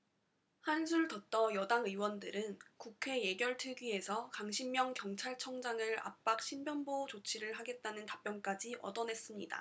한술 더 떠 여당 의원들은 국회 예결특위에서 강신명 경찰청장을 압박 신변보호 조치를 하겠다는 답변까지 얻어냈습니다